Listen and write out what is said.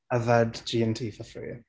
Yfed G&T for free.